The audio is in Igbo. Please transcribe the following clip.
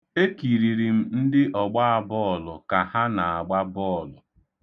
Ekiriri m ndị ọgbabọọlụ ka ha na-agba bọọlụ.